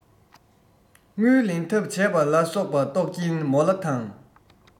དངུལ ལེན ཐབས བྱས པ ལ སོགས པ རྟོག རྐྱེན མོ ལ དང